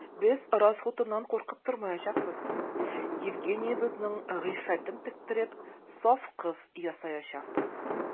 Без расхутыннан куркып тормаячакбыз: Евгениябезнең гыйффәтен тектереп, саф кыз ясаячакбыз.